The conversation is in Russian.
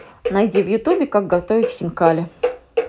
найди в ютубе как готовить хинкали